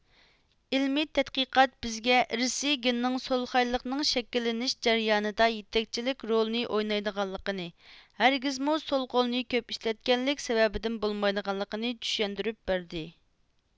ئىلمىي تەتقىقات بىزگە ئىرسىي گېننىڭ سولخايلىقنىڭ شەكىللىنىش جەريانىدا يېتەكچىلىك رولىنى ئوينايدىغانلىقىنى ھەرگىزمۇ سول قولىنى كۆپ ئىشلەتكەنلىك سەۋەبىدىن بولمايدىغانلىقىنى چۈشەندۈرۈپ بەردى